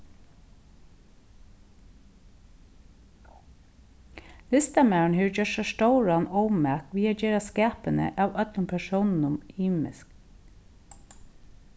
listamaðurin hevur gjørt sær stóran ómak við at gera skapini av øllum persónunum ymisk